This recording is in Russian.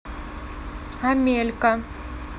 амелька